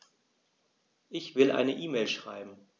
Ich will eine E-Mail schreiben.